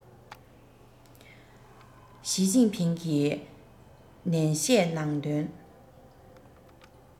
ཞིས ཅིན ཕིང གིས ནན བཤད གནང དོན